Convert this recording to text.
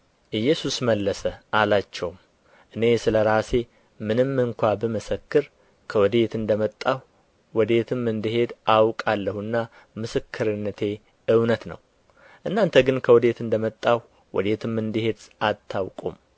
ኢየሱስ መለሰ አላቸውም እኔ ስለ ራሴ ምንም እንኳ ብመሰክር ከወዴት እንደመጣሁ ወዴትም እንድሄድ አውቃለሁና ምስክርነቴ እውነት ነው እናንተ ግን ከወዴት እንደ መጣሁ ወዴትም እንድሄድ አታውቁም